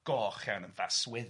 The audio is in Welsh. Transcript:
goch iawn yn ddasweddus.